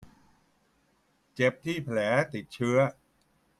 เจ็บที่แผลติดเชื้อ